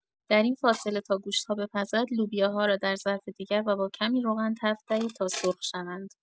در این فاصله تا گوشت‌ها بپزد لوبیاها را در ظرف دیگر و با کمی روغن تفت دهید تا سرخ شوند.